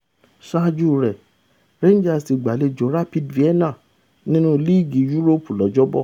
Saájú rẹ̀, Rangers ti gbàlejò Rapid Vienna nínú Líìgì Yuropa lọjọ 'Bọ̀.